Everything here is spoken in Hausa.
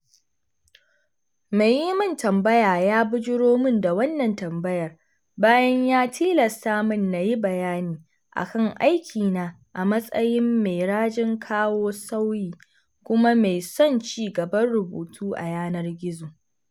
Mai yi min tambaya ya bujuro min da wannan tambayar, bayan ya tilasta min na yi bayani a kan aikina a matsayin mai rajin kawo sauyi kuma mai son ci gaban rubutu a yanar gizo